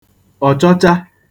ọ̀chọcha